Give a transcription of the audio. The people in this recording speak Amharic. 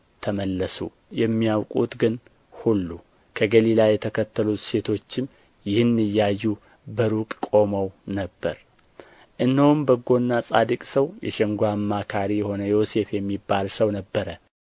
ተመለሱ የሚያውቁቱ ግን ሁሉ ከገሊላ የተከተሉት ሴቶችም ይህን እያዩ በሩቅ ቆመው ነበር እነሆም በጎና ጻድቅ ሰው የሸንጎ አማካሪም የሆነ ዮሴፍ የሚባል ሰው ነበረ